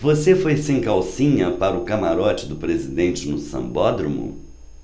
você foi sem calcinha para o camarote do presidente no sambódromo